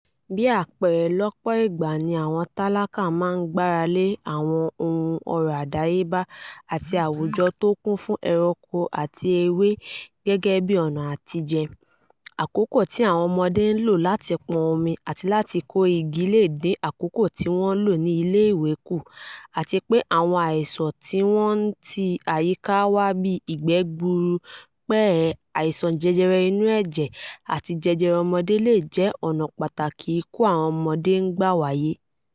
Bí àpẹẹrẹ, lọ́pọ̀ ìgbà ni àwọn tálákà máa ń gbára lé àwọn àwọn ohun ọrọ̀ àdáyébá àti àwùjọ tó kún fún ẹranko àti ewé gẹ́gẹ́ bí ọ̀nà àtije; àkókò tí àwọn ọmọdé ń lò láti pọn omi àti láti kó igi lè dín àkókò tí wọn ń lò ní iléèwé kú ; àti pé àwọn àìsàn tó ń ti àyíká wá bí ìgbẹ́ gbuuru, pẹ̀hẹ̀, àìsàn jẹjẹrẹ inú ẹ̀jẹ̀, àti jẹjẹrẹ ọmọdé jẹ́ àwọn ọ̀nà pàtàkì ikú àwọn ọmọdé ń gbà wáyé.